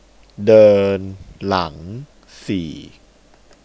เดินหลังสี่